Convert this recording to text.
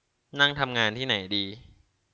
นั่งทำงานที่ไหนดี